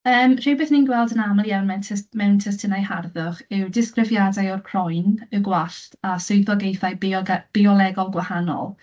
Yym, rhywbeth ni'n gweld yn aml iawn mewn tys- mewn testunau harddwch, yw disgrifiadau o'r croen, y gwallt a swyddogaethau bioge- biolegol gwahanol.